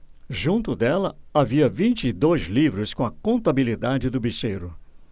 junto dela havia vinte e dois livros com a contabilidade do bicheiro